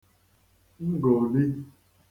ngòli